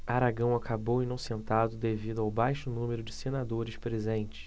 aragão acabou inocentado devido ao baixo número de senadores presentes